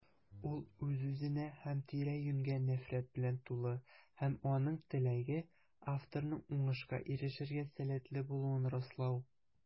Ул үз-үзенә һәм тирә-юньгә нәфрәт белән тулы - һәм аның теләге: авторның уңышка ирешергә сәләтле булуын раслау.